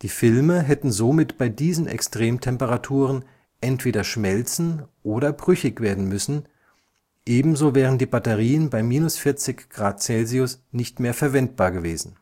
Filme hätten somit bei diesen Extremtemperaturen entweder schmelzen oder brüchig werden müssen, ebenso wären die Batterien bei minus 40 °C nicht mehr verwendbar gewesen